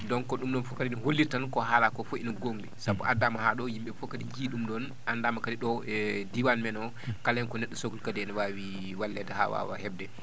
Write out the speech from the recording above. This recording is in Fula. donc ɗum ɗon fof kadi ne holiti tan ko haalaa ko fof ine goongɗi sabu addaama haa ɗoo yimɓe ɓee fof kadi jiyii ɗum ɗoon anndaama kadi ɗo e diwaan men o kala heen ko neɗɗo sohli kadi ene waawi walleede haa waawa heɓde